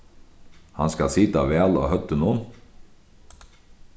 hann skal sita væl á høvdinum